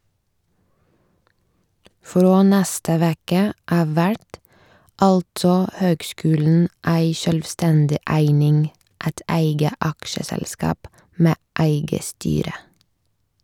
Frå neste veke av vert altså høgskulen ei sjølvstendig eining, eit eige aksjeselskap med eige styre.